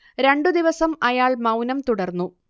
രണ്ടു ദിവസം അയാൾ മൗനം തുടർന്നു